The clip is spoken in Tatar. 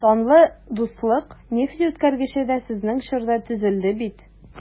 Данлы «Дуслык» нефтьүткәргече дә сезнең чорда төзелде бит...